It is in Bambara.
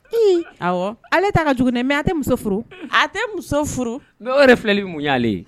I awɔ ale taa ka juguinɛ dɛ mais a tɛ muso furu a tɛ muso furu . Mais o yɛrɛ filɛli bɛ mun ɲɛn ale ye?